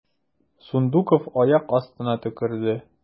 Сундуков аяк астына төкерде.